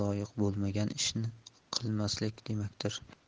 loyiq bo'lmagan ishni qilmaslik demakdir